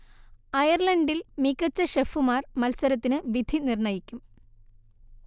അയർലണ്ടിൽ മികച്ച ഷെഫുമാർ മത്സരത്തിനു വിധി നിര്ണയിക്കും